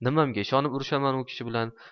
nimamga ishonib urishaman u kishi bilan